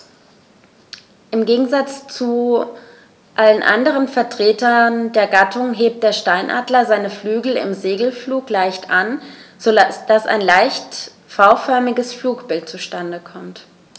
Im Gegensatz zu allen anderen Vertretern der Gattung hebt der Steinadler seine Flügel im Segelflug leicht an, so dass ein leicht V-förmiges Flugbild zustande kommt.